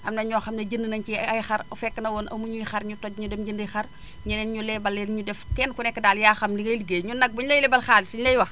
am na ñoo xam ne jënd nañ ci ay xar fekk na woon amuñu xar ñu toj ñu dem jëndi xar ñeneen ñu lebal leen ñu def kenn ku nekk daal yaa xam li ngay liggéey ñun nag bu ñu lay lebal xaalis li ñu lay wax